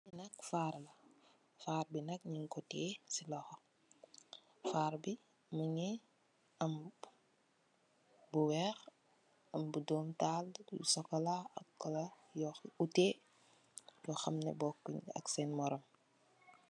nak farr la farr bi nak nyung ku teyeh ci loxu. Farr bi mungi am bu weex, am bu dome taal, bu chocola amna ku teyeh lu xamne bokut ak sa morom